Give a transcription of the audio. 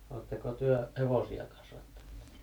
oletteko te hevosia kasvattanut